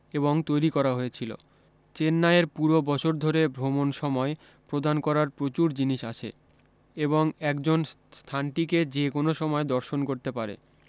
এবং তৈরী করা হয়েছিলো চেন্নাইের পুরো বছর ধরে ভ্রমণ সময় প্রদান করার প্রচুর জিনিস আছে এবং একজন স্থানটিকে যে কোনো সময় দর্শন করতে পারে